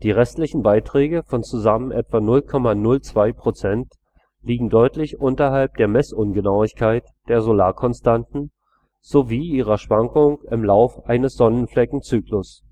restlichen Beiträge von zusammen etwa 0,02 % liegen deutlich unterhalb der Messungsgenauigkeit der Solarkonstanten sowie ihrer Schwankung im Lauf eines Sonnenfleckenzyklus